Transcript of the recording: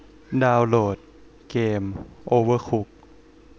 ดาวโหลดเกมโอเวอร์คุก